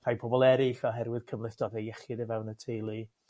rhai pobol eryll oherwydd cymhlethdode iechyd o fewn y teulu.